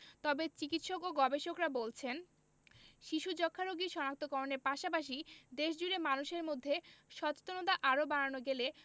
তবে চিকিৎসক ও গবেষকরা বলছেন শিশু যক্ষ্ণারোগী শনাক্ত করণের পাশাপাশি দেশজুড়ে মানুষের মধ্যে সচেতনতা আরও বাড়ানো গেলে